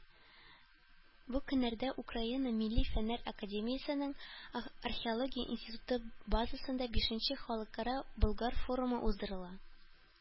Бу көннәрдә Украина Милли фәннәр академиясенең Археология институты базасында бишенче Халыкара Болгар форумы уздырыла.